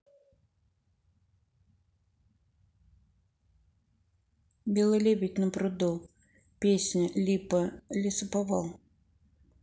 белый лебедь на пруду песня липа лесоповал